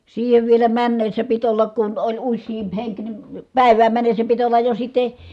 siihen vielä mennessä piti olla kun oli useampi henki niin päivään mennessä piti olla jo sitten